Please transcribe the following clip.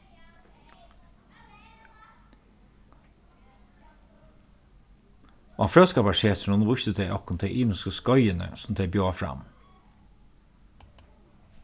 á fróðskaparsetrinum vístu tey okkum tey ymisku skeiðini sum tey bjóða fram